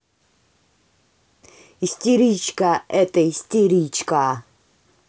истеричка это истеричка